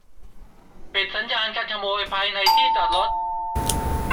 ปิดสัญญาณกันขโมยภายในที่จอดรถ